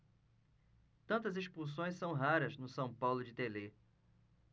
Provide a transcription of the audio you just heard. tantas expulsões são raras no são paulo de telê